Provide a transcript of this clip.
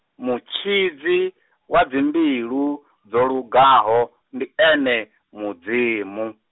mutshidzi, wa dzimbilu, dzolugaho, ndi ene, Mudzimu.